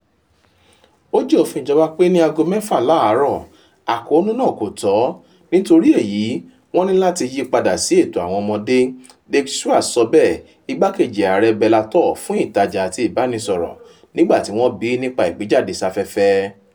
"Ó jẹ́ òfin ìjọba pé ní aago 6 láàárọ̀, àkóónú náà kò tọ́, nítorí èyí wọ́n níláti yípada sí ètò àwọn ọmọdé,” Dave Schwartz sọ bẹ́ẹ̀, igbakejì ààrẹ Bellator fún ìtajà àti ìbánisọ̀rọ̀, nígbàtí wọ́ bíi nípa ìgbéjáde ṣáfẹ́fẹ́.